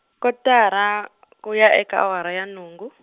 kotara, ku ya eka awara ya nhungu.